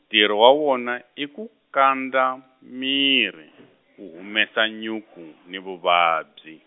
ntirho wa wona i ku kandza miri, wu humesa nyuku ni vuvabyi.